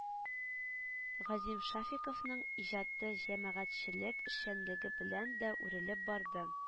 Газим Шафиковның иҗаты җәмәгатьчелек эшчәнлеге белән дә үрелеп барды